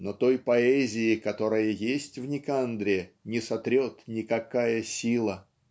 но той поэзии, которая есть в Никандре, не сотрет никакая сила.